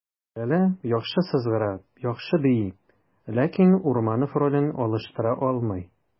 Ләлә яхшы сызгыра, яхшы бии, ләкин Урманов ролен алыштыра алмый.